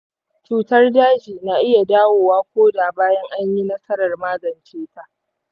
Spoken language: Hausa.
cutar daji na iya dawowa koda bayan anyi nasarar magance ta.